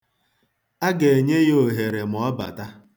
A ga-enye ya ohere ma ọ bata.